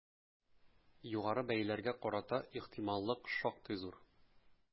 Югары бәяләргә карата ихтималлык шактый зур.